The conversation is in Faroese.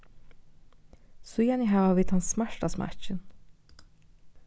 síðani hava vit tann smarta smakkin